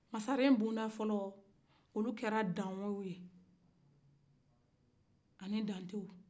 masaren bondafɔlɔ olu kɛra dawɔ ye ani dantew